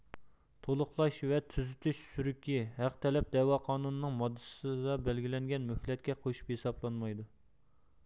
تۇلۇقلاش ۋە تۈزىتىش سۈرۈكى ھەق تەلەپ دەۋا قانۇنى نىڭ ماددىسىدا بەلگىلەنگەن مۆھلەتكە قوشۇپ ھېسابلانمايدۇ